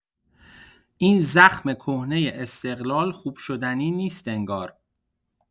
این زخم کهنه استقلال خوب‌شدنی نیست انگار!